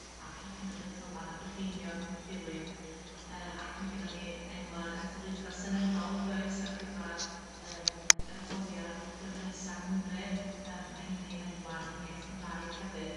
a Parc Cenedlaethol Bana Brycheiniog wedi dilyn yy ac ma' gennon ni enwa'r etholaetha seneddol yndoes ar gyfar yym yr etholiad blwyddyn nesa yng Nghymru yy ma' 'heini'n enwa' uniaith Gymraeg hefyd.